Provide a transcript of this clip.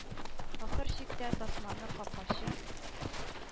Ахыр чиктә тасманы капкачы